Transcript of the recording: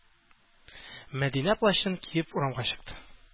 Мәдинә плащын киеп урамга чыкты.